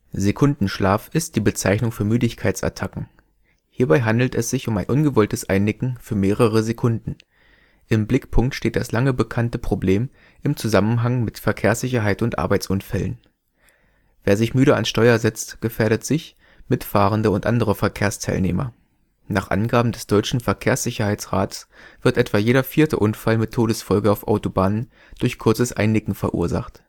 Sekundenschlaf ist die Bezeichnung für Müdigkeitsattacken. Hierbei handelt es sich um ein ungewolltes Einnicken für mehrere Sekunden. Im Blickpunkt steht das lange bekannte Problem im Zusammenhang mit Verkehrssicherheit und Arbeitsunfällen. Wer sich müde ans Steuer setzt, gefährdet sich, Mitfahrende und andere Verkehrsteilnehmer. Nach Angaben des Deutschen Verkehrssicherheitsrats wird etwa „ jeder vierte Unfall mit Todesfolge auf Autobahnen (...) durch kurzes Einnicken verursacht